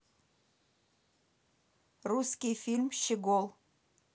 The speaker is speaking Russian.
русский фильм щегол